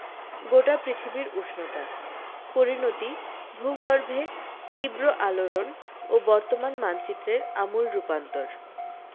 গোটা পৃথিবীর উষ্ণতা পরিণতি ভূগর্ভে তীব্র আলোড়ন ও বর্তমান মানচিত্রের আমূল রূপান্তর